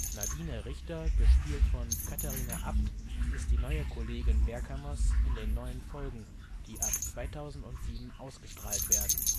Nadine Richter, gespielt von Katharina Abt, ist die neue Kollegin Berghammers in den neuen Folgen, die ab 2007 ausgestrahlt werden